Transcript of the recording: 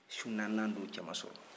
su naaninan don cɛ ma sɔrɔ